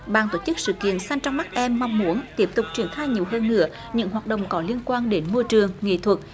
ban tổ chức sự kiện xanh trong mắt em mong muốn tiếp tục triển khai nhiều hơn nữa những hoạt động có liên quan đến môi trường nghệ thuật